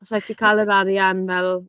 Oes rhaid ti cael yr arian fel...